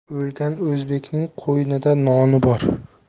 o'lgan o'zbekning qo'ynida noni bor